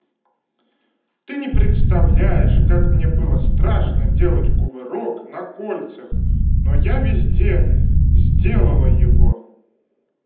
ты не представляешь как мне было страшно делать кувырок на кольцах но я везде сделала его